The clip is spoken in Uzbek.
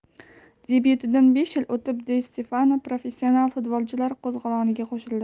debyutidan besh yil o'tib di stefano professional futbolchilar qo'zg'oloniga qo'shildi